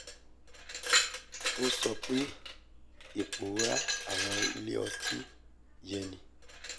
Ó sọ pé ìpòórá àwọn ilé ọtí yéni.